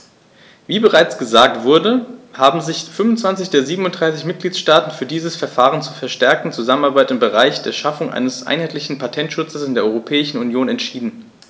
Wie bereits gesagt wurde, haben sich 25 der 27 Mitgliedstaaten für dieses Verfahren zur verstärkten Zusammenarbeit im Bereich der Schaffung eines einheitlichen Patentschutzes in der Europäischen Union entschieden.